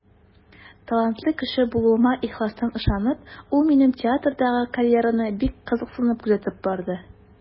Талантлы кеше булуыма ихластан ышанып, ул минем театрдагы карьераны бик кызыксынып күзәтеп барды.